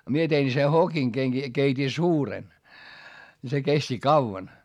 minä tein se hokin kenki keitin suuren niin se kesti kauan